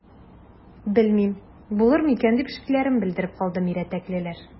Белмим, булыр микән,– дип шикләрен белдереп калды мирәтәклеләр.